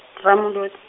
Ramolodi.